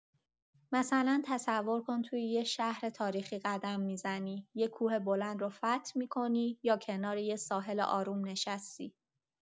مثلا تصور کن تو یه شهر تاریخی قدم می‌زنی، یه کوه بلند رو فتح می‌کنی یا کنار یه ساحل آروم نشستی.